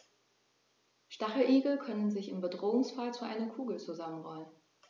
Stacheligel können sich im Bedrohungsfall zu einer Kugel zusammenrollen.